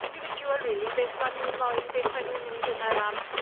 individual rili beth ma' nw'n moyn beth mae nw'n mynd ynar am.